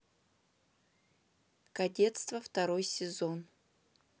кадетство второй сезон